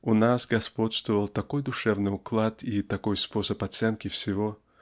--у нас господствовал такой душевный уклад и такой способ оценки всего